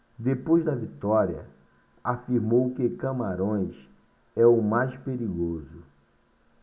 depois da vitória afirmou que camarões é o mais perigoso